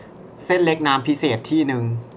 เล็กน้ำพิเศษที่นึง